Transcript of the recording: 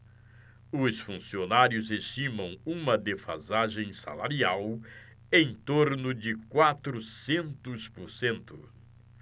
os funcionários estimam uma defasagem salarial em torno de quatrocentos por cento